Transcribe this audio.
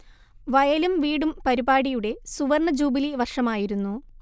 വയലും വീടും പരിപാടിയുടെ സുവർണ്ണ ജൂബിലി വർഷമായിരുന്നു